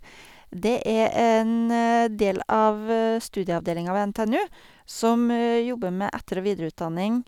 Det er en del av studieavdelinga ved NTNU som jobber med etter- og videreutdanning.